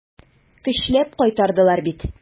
Көчләп кайтардылар бит.